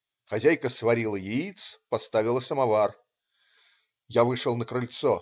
Хозяйка сварила яиц, поставила самовар. Я вышел на крыльцо.